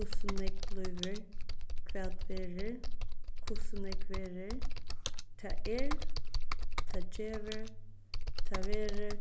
hvussu nógv blívur hvat verður hvussu nógv verður tað er tað gevur tað verður